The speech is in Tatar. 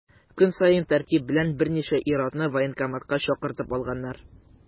Көн саен тәртип белән берничә ир-атны военкоматка чакыртып алганнар.